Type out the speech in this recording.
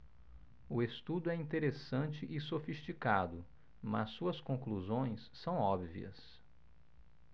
o estudo é interessante e sofisticado mas suas conclusões são óbvias